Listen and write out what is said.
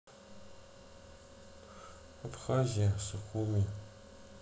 абхазия сухуми